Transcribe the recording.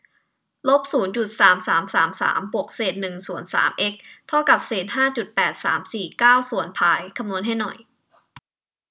ลบศูนย์จุดสามสามสามสามบวกเศษหนึ่งส่วนสามเอ็กซ์เท่ากับเศษห้าจุดแปดสามสี่เก้าส่วนพายคำนวณให้หน่อย